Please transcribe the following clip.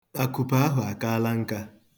Akupe ahụ akaala nka.